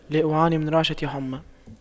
لا أعاني من رعشة حمى